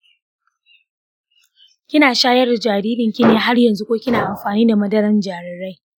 kina shayar da jaririnki ne har yanzu ko kina amfani da madarar jarirai?